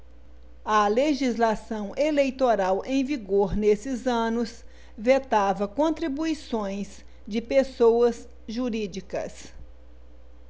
a legislação eleitoral em vigor nesses anos vetava contribuições de pessoas jurídicas